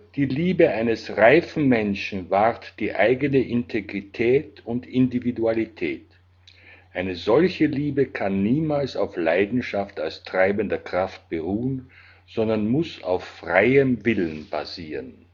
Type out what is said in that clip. die Liebe eines reifen Menschen wahrt die eigene Integrität und Individualität. Eine solche Liebe kann niemals auf Leidenschaft als treibender Kraft beruhen, sondern muss auf freiem Willen basieren